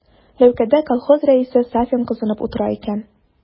Ләүкәдә колхоз рәисе Сафин кызынып утыра икән.